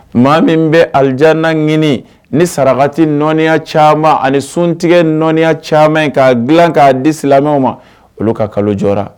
Maa min bɛ aljanna ɲini ni sarakati nɔniya caaman ani suntigɛ nɔniya caaman ye k'a dilan k'a di silamɛww maɛ, olu ka kalo jɔra!